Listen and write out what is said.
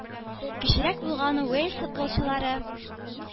Кечерәк булган уэльс футболчылары